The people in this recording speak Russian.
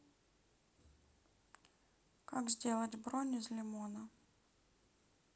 как сделать бронь из лимона